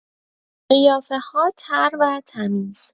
قیافه‌ها تر و تمیز